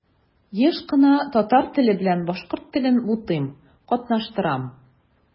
Еш кына татар теле белән башкорт телен бутыйм, катнаштырам.